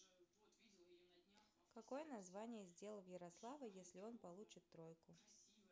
какое наказание сделал в ярослава если он получит тройку